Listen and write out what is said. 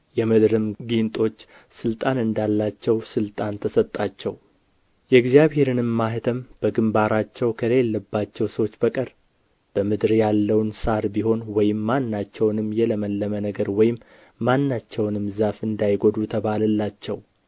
የምድርም ጊንጦች ሥልጣን እንዳላቸው ሥልጣን ተሰጣቸው የእግዚአብሔርም ማኅተም በግምባራቸው ከሌለባቸው ሰዎች በቀር በምድር ያለውን ሣር ቢሆንም ወይም ማናቸውንም የለመለመ ነገር ወይም ማናቸውንም ዛፍ እንዳይጐዱ ተባለላቸው